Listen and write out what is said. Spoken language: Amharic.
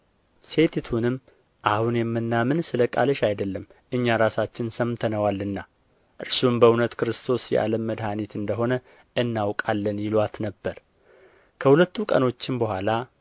ሴቲቱንም አሁን የምናምን ስለ ቃልሽ አይደለም እኛ ራሳችን ሰምተነዋልና እርሱም በእውነት ክርስቶስ የዓለም መድኃኒት እንደ ሆነ እናውቃለን ይሉአት ነበር ከሁለቱ ቀኖችም በኋላ